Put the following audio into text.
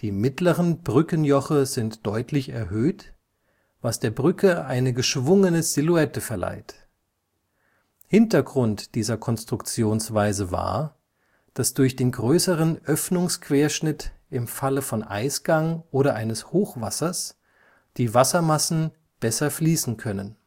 mittleren Brückenjoche sind deutlich erhöht, was der Brücke eine geschwungene Silhouette verleiht. Hintergrund dieser Konstruktionsweise war, dass durch den größeren Öffnungsquerschnitt im Falle von Eisgang oder eines Hochwassers die Wassermassen besser fließen können